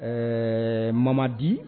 Ɛɛ Mamadi